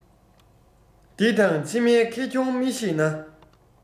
འདི དང ཕྱི མའི ཁེ གྱོང མི ཤེས ན